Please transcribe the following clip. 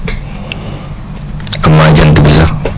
xam naa jant bi sax